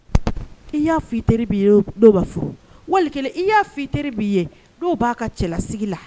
I ya fi tiri min ye no ma furu walikelen i ya fi teri min ye no ba ka cɛlasigi la